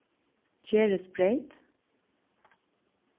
gerðisbreyt